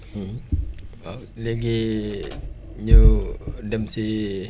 waaw léegi ñu dem si